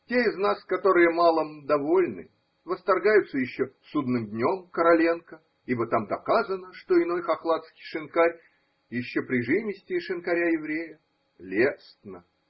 Те из нас, которые малым довольны, восторгаются еще Судным днем Короленко, ибо там доказано, что иной хохлацкий шинкарь еще прижи мистее шинкаря-еврея. Лестно.